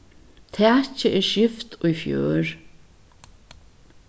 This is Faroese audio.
takið er skift í fjør